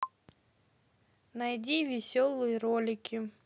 найди веселые ролики